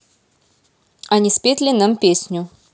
а не спеть ли нам песню